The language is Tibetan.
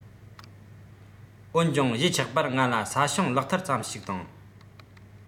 འོན ཀྱང གཞིས ཆགས པར ང ལ ས ཞིང ལག འཐིལ ཙམ ཞིག དང